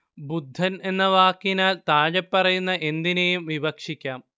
ബുദ്ധൻ എന്ന വാക്കിനാൽ താഴെപ്പറയുന്ന എന്തിനേയും വിവക്ഷിക്കാം